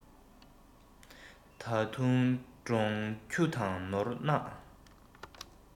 ད དུང འབྲོང ཁྱུ དང ནོར གནག